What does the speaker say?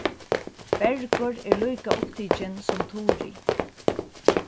bergur er líka upptikin sum turið